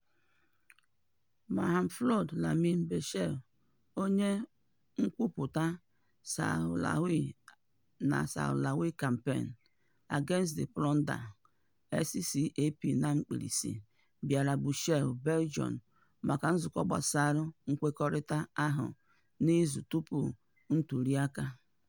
Mahfoud Lamin Bechri, onye nkwupụta Sahrawi na Sahrawi Campaign Against the Plunder (SCAP), bịara Brussels, Belgium, maka nzukọ gbasara nkwekọrịta ahụ n'izu tupu ntuliaka.